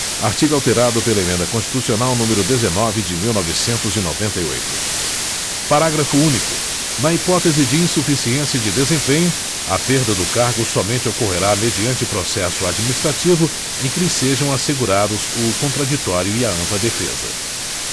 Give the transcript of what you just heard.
artigo alterado pela emenda constitucional número dezenove de mil e novecentos e noventa e oito parágrafo único na hipótese de insuficiência de desempenho a perda do cargo somente ocorrerá mediante processo administrativo em que lhe sejam assegurados o contraditório e a ampla defesa